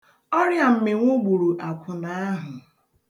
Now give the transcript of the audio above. Ọrịa mmịnwu gburu akwụna ahụ.